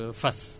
très bien